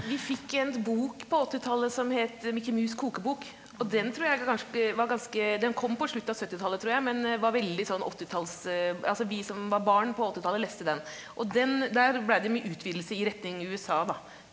vi fikk en bok på åttitallet som het Mikke Mus' Kokebok, og den tror jeg var ganske den kom på slutten av syttitallet tror jeg, men var veldig sånn åttitalls , altså vi som var barn på åttitallet leste den, og den der blei det mye utvidelse i retning USA da.